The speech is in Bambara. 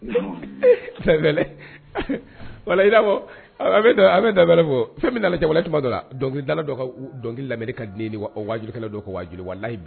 Yi fɛn min dɔ dɔnkilida ka dɔnkili lamɛn ka diju kaju